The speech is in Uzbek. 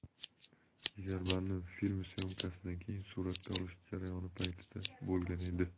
'jigarbandim' filmi syomkasidan keyin suratga olish jarayoni paytida bo'lgan edi